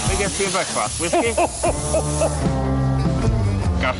Be gest ti i brecwast? Whisky? Gall...